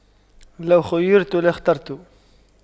لو خُيِّرْتُ لاخترت